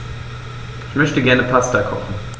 Ich möchte gerne Pasta kochen.